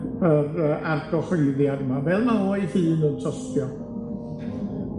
yr yy argyhoeddiad yma, fel ma' o ei hun yn tystio.